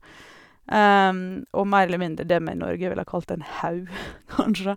Og mer eller mindre det vi i Norge ville kalt en haug, kanskje.